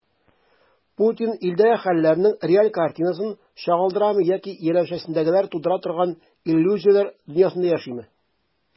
Путин илдәге хәлләрнең реаль картинасын чагылдырамы яки янәшәсендәгеләр тудыра торган иллюзияләр дөньясында яшиме?